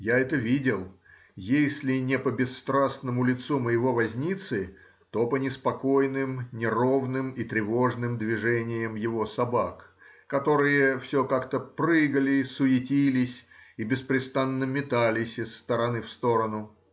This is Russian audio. я это видел — если не по бесстрастному лицу моего возницы, то по неспокойным, неровным и тревожным движениям его собак, которые все как-то прыгали, суетились и беспрестанно метались из стороны в сторону.